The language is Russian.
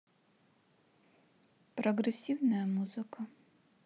прогрессивная музыка